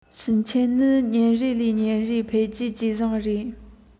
ཕྱིན ཆད ནི ཉིན རེ ལས ཉིན རེར འཕེལ རྒྱས ཇེ བཟང རེད